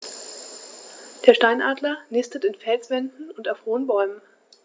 Der Steinadler nistet in Felswänden und auf hohen Bäumen.